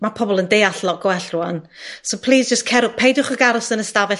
ma' pobol yn deall lot gwell rŵan. So plîs jys cerw- peidiwch ag aros yn y stafell